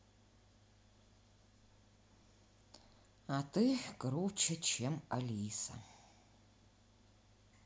а ты круче чем алиса